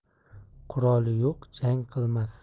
quroli yo'q jang qilmas